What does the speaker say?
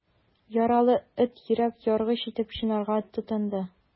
Яралы эт йөрәк яргыч итеп чинарга тотынды.